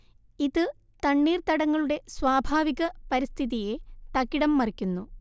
ഇത് തണ്ണീർത്തടങ്ങളുടെ സ്വാഭാവിക പരിസ്ഥിതിയെ തകിടംമറിക്കുന്നു